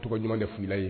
Tɔgɔ ɲuman de f' ye